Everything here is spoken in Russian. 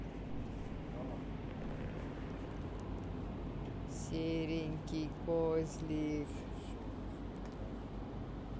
серенький козлик